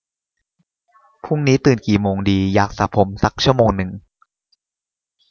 พรุ่งนี้ตื่นกี่โมงดีอยากสระผมซักชั่วโมงนึง